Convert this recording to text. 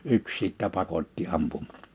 yksi sitten pakotti -